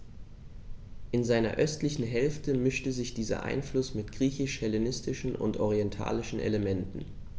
In seiner östlichen Hälfte mischte sich dieser Einfluss mit griechisch-hellenistischen und orientalischen Elementen.